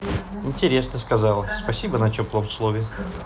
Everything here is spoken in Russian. интересно сказала спасибо на теплом слове